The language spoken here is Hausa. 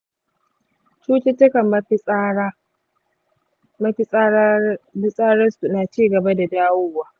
cututtukan mafitsara ta su na cigaba da dawowa.